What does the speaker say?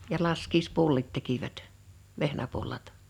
ja laskiaispullat tekivät vehnäpullat